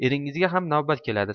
eringizga ham navbat keladi